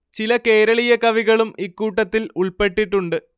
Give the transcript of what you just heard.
ചില കേരളീയ കവികളും ഇക്കൂട്ടത്തിൽ ഉൾപ്പെട്ടിട്ടുണ്ട്